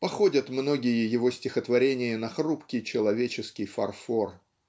Походят многие его стихотворения на хрупкий человеческий фарфор.